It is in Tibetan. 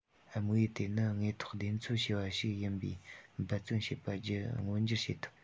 དམིགས ཡུལ དེ ནི དངོས ཐོག བདེན འཚོལ བྱས པ ཞིག ཡིན པས འབད བརྩོན བྱས པ བརྒྱུད མངོན འགྱུར བྱེད ཐུབ